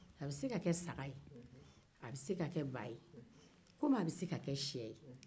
a bɛ se ka kɛ saga a bɛ se ka kɛ ba komi a bɛ se ka kɛ sɛ ye